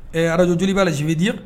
Ɛ araj joli b'a lazibididiya